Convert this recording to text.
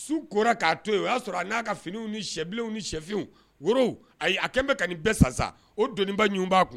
Su kora k'a to yen o y'a sɔrɔ a n'a ka finiw ni sɛbilenw ni sɛfinw woro ayi a kɛ n bɛ ka nin bɛɛ san sa o doniba ɲu n b'a kun